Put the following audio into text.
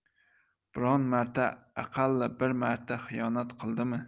biron marta aqalli bir marta xiyonat qildimi